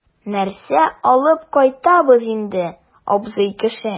Нәрсә алып кайтабыз инде, абзый кеше?